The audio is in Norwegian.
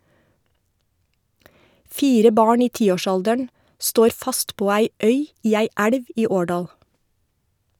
Fire barn i tiårsalderen står fast på ei øy i ei elv i Årdal.